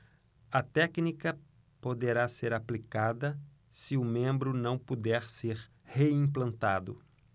a técnica poderá ser aplicada se o membro não puder ser reimplantado